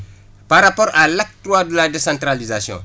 par rapport à l' acte trois de la décentralisation